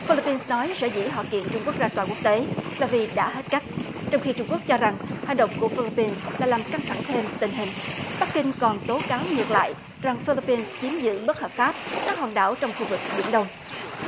phi líp pin nói sở dĩ họ kiện trung quốc ra tòa quốc tế là vì đã hết cách trong khi trung quốc cho rằng hành động của phi líp pin làm căng thẳng thêm tình hình bắc kinh còn tố cáo ngược lại rằng phi líp pin chiếm giữ bất hợp pháp các hòn đảo trong khu vực biển đông